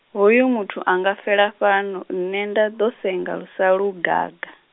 hoyu muthu anga fela fhano, nṋe nda ḓo senga lusa lugaga.